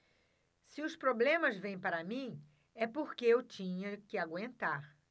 se os problemas vêm para mim é porque eu tinha que aguentar